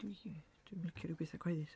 Dwi dwi'm yn licio rhyw betha cyhoeddus.